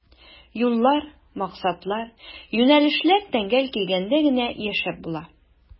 Юллар, максатлар, юнәлешләр тәңгәл килгәндә генә яшәп була.